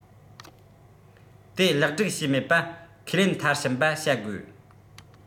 དེ ལེགས སྒྲིག བྱས མེད པ ཁས ལེན མཐར ཕྱིན པར བྱ དགོས